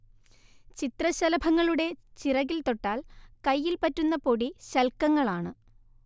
ചിത്രശലഭങ്ങളുടെ ചിറകിൽത്തൊട്ടാൽ കൈയിൽ പറ്റുന്ന പൊടി ശൽക്കങ്ങളാണ്